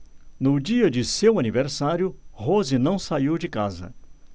no dia de seu aniversário rose não saiu de casa